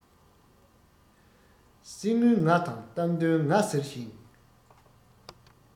གསེར དངུལ ང དང གཏམ དོན ང ཟེར ཞིང